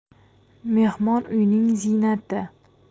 mehmon uyning ziynati